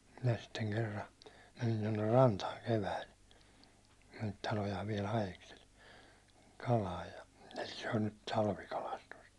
minä sitten kerran menin tuonne rantaan keväällä ne niitä talojaan vielä haeskeli kalaa ja se on nyt talvikalastusta